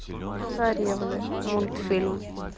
царевны мультфильм